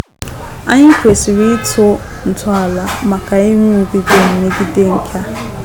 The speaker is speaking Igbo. Anyị kwesịrị ịtọ ntọala maka nrụgide megide nke a.